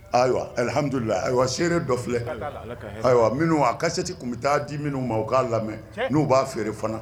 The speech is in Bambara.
Ayiwa al amdula ayiwa seere dɔ filɛ, siga ta la, ala ka hɛɛrɛ ayiwa minnu a kasɛti tun bɛ taa di minnu ma u k'a lamɛn, hɛɛ n'u b'a feere fana